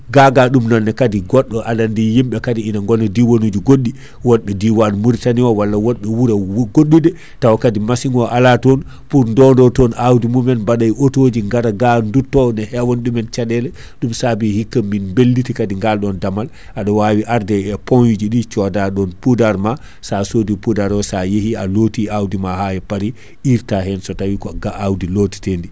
gaga ɗum nonne kaadi goɗɗo aɗa andi yimɓe kaadi ina gonna diwanuji goɗɗi wonɓe diwan Mauritanie o walla wonɓe wuuro goɗɗuɗe tawa kaadi machine o ala ton pour ndono ton awdi mumen baɗay auto ji garaga dutto ne hewani ɗumen caɗele ɗum saabi hikka min belliti kaadi ngal ɗon dammal aɗa wawi arde e point uji ɗi soda ɗon poudre ma sa soodi poudre o sa yeehi a looti awdi ma paari irta hen so tawi ko awdi lotate ndi